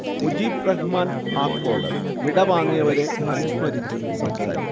മുജീബ് റഹ്മാൻ ആക്കോട് വിടവാങ്ങിയവരെ അനുസ്മരിച്ച് സംസാരിച്ചു